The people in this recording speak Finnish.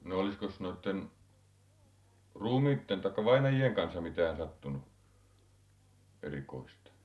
no olisikos noiden ruumiiden tai vainajien kanssa mitään sattunut erikoista